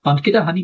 Ond gyda hynny...